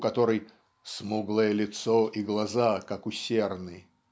у которой "смуглое лицо и глаза как у серны"